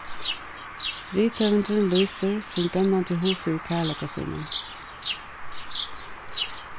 rithøvundurin lýsir sín brennandi hug fyri kærleika sínum